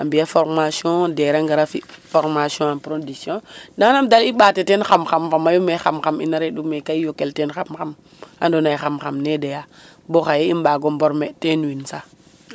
A mbi'aa formation DER a ngar a fi' formation production manam dal i ɓatel ten xam-xam fa myu mais xam-xam ina re'u ka i yokel ten xam-xam andoona yee xam-xam ne doya bo xay i mbago mborme ten win sax .